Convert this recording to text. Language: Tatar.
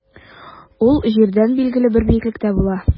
Ул җирдән билгеле бер биеклектә була.